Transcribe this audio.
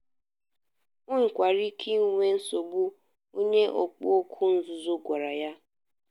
O nwekwara ike inwe nsogbu, onye ọkpọọ oku nzuzo gwara ya.